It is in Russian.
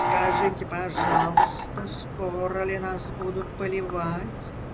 – Скажите, пожалуйста, скоро ли нас будут поливать?